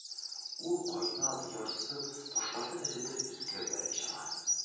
Ул кайнап, ярсып, ташларны эретеп өскә бәреп чыга.